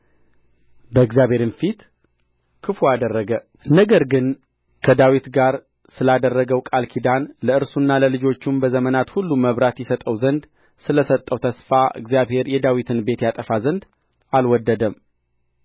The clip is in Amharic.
በእግዚአብሔርም ፊት ክፉ አደረገ ነገር ግን ከዳዊት ጋር ስላደረገው ቃል ኪዳን ለእርሱና ለልጆቹም በዘመናት ሁሉ መብራት ይሰጠው ዘንድ ስለ ሰጠው ተስፋ እግዚአብሔር የዳዊትን ቤት ያጠፋ ዘንድ አልወደደም